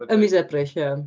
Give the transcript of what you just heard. Yn mis Ebrill ia